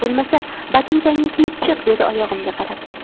bo'lmasa botinkangni kiyib chiq dedi oyog'imga qarab